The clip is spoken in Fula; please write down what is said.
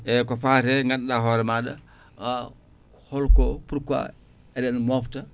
e ko fate ganduɗa hoore maɗa holko pourquoi eɗen mofta